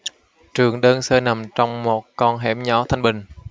trường đơn sơ nằm trong một con hẻm nhỏ thanh bình